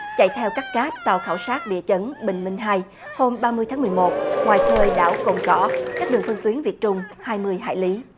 chạy theo cắt cáp tàu khảo sát địa chấn bình minh hay hôm ba mươi tháng mười một ngoài khơi đảo cồn cỏ cách đường phân tuyến việt trung hai mươi hải lý